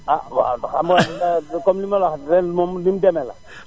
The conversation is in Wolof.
ah waaw xam nga nawet bi comme ni ma la ko waxee la ren moom ni mu demee la